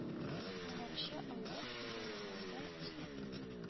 Моңарчы авыл ху алыгында эшләдем